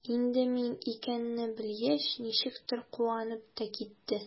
Инде мин икәнне белгәч, ничектер куанып та китте.